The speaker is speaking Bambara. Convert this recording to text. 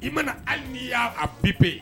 I mana hali n'i y'a a pe pe